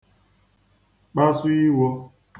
kpasu iwō